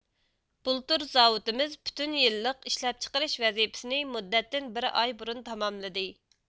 بۇلتۇر زاۋۇتىمىز پۈتۈن يىللىق ئىشلەپچىقىرىش ۋەزىپىسىنى مۇدەتتىن بىر ئاي بۇرۇن تاماملىدى